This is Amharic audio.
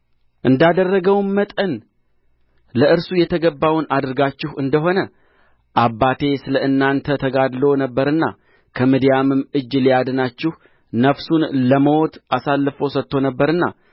እንዳደረገውም መጠን ለእርሱ የተገባውን አድርጋችሁ እንደ ሆነ አባቴ ስለ እናንተ ተጋድሎ ነበርና ከምድያምም እጅ ሊያድናችሁ ነፍሱን ለሞት አሳልፎ ሰጥቶ ነበርና